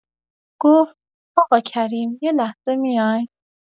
گفت: «آقا کریم، یه لحظه میاین؟»